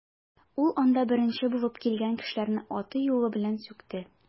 Ул анда беренче булып килгән кешеләрне аты-юлы белән сүкте.